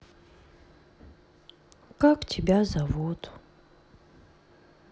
как тебя зовут